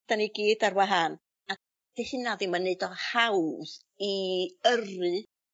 'Dan ni i gyd ar wahân a 'di hynna ddim yn neud o'n hawdd i yrru